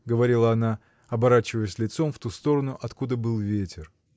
— говорила она, оборачиваясь лицом в ту сторону, откуда был ветер.